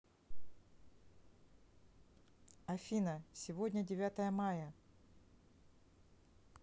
афина сегодня девятое мая